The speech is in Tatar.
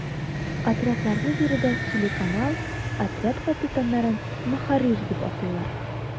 Отрядларны биредә “телеканал”, отряд капитаннарын “ мөхәррир” дип атыйлар.